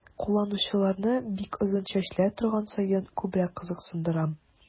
Кулланучыларны бик озын чәчләр торган саен күбрәк кызыксындыра.